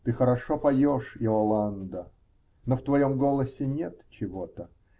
Ты хорошо поешь, Иоланда, но в твоем голосе нет чего-то.